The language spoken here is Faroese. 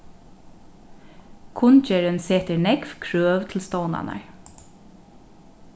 kunngerðin setir nógv krøv til stovnarnar